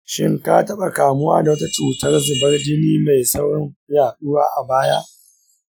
shin ka taɓa kamuwa da wata cutar zubar jini mai saurin yaɗuwa a baya?